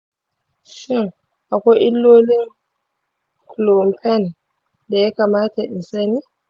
shin akwai illolin clomifene da ya kamata in sani?